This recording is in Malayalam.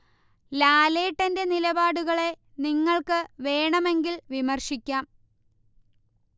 ലാലേട്ടന്ടെ നിലപാടുകളെ നിങ്ങള്ക്ക് വേണമെങ്കിൽ വിമർശിക്കാം